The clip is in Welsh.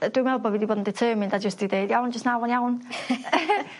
...yy dwi me'wl bo' fi 'di bod yn determined a jyst 'di deud iawn jyst 'na fo'n iawn.